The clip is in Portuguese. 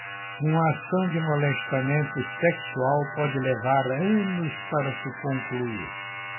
uma ação de molestamento sexual pode levar anos para se concluir